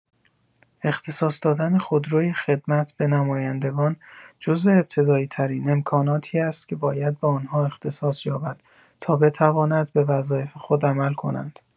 اختصاص دادن خودروی خدمت به نمایندگان، جزو ابتدایی‌ترین امکاناتی است که باید به آنها اختصاص یابد تا بتواند به وظایف خود عمل کنند.